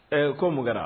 Ɛ ko mun kɛra